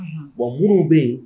Wa muru bɛ yen